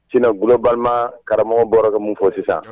Sina goloba karamɔgɔ bɔra ka mun fɔ sisan